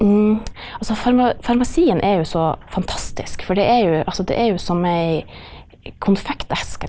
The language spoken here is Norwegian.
altså farmasien er jo så fantastisk, for det er jo altså det er jo som ei konfekteske.